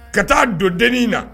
Ka taa dontnin na